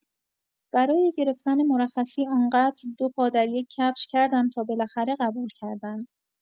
برای گرفتن مرخصی آن‌قدر دو پا در یک کفش کردم تا بالاخره قبول کردند.